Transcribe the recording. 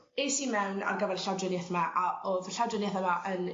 es i mewn ar gyfer y llawdrinieth 'ma a o'dd y llawdrinieth yma yn...